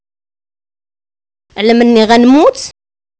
علمني غن موت